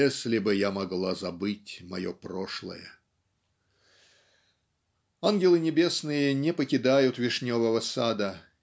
если бы я могла забыть мое прошлое!" Ангелы небесные не покидают вишневого сада